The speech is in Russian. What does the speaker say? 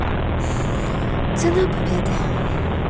цена победы